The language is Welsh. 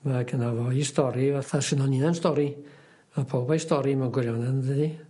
Ma' gynna fo 'i stori fatha shwn o'n inna'n stori a powb a'i stori mewn gwirionedd yndydi?